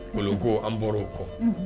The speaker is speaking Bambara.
Kolonko an bɔra o kɔ